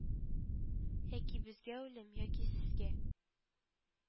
Яки безгә үлем, яки сезгә